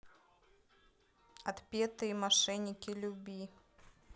отпетые мошенники люби